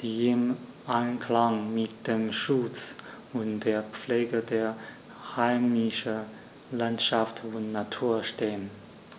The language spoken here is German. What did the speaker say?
die im Einklang mit dem Schutz und der Pflege der heimischen Landschaft und Natur stehen.